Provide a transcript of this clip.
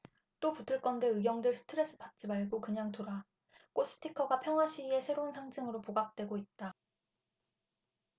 또 붙을 건데 의경들 스트레스 받지 말고 그냥 두라 꽃 스티커가 평화시위의 새로운 상징으로 부각되고 있다